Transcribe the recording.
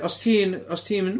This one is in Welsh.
Os ti'n, os ti'n mynd...